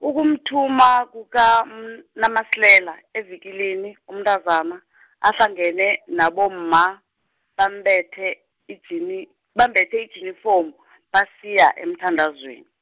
ukumthuma kuka- NaMasilela evikilini umntazana , ahlangene nabomma bambethe ijini-, bambethe ijinifomu , basiya emthandazweni.